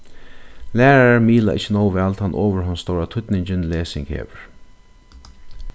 lærarar miðla ikki nóg væl tann ovurhonds stóra týdningin lesing hevur